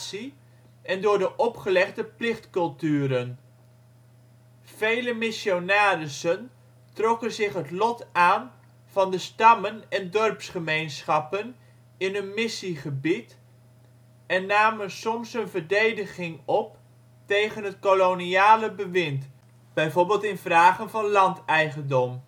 en door de opgelegde plicht-culturen. Vele missionarissen trokken zich het lot aan van de stammen en dorpsgemeenschappen in hun missie-gebied en namen soms hun verdediging op tegen het koloniale bewind (bv. in vragen van land-eigendom